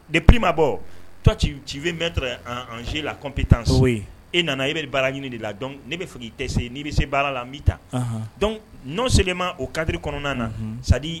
Ne pma bɔ tɔ ci bɛe la kɔnɔnp taa so ye e nana e bɛ baara ɲini de la dɔn ne bɛ fɛ' i tɛ se n'i bɛ se baara la n bɛ ta dɔn n' selen ma o kanri kɔnɔna na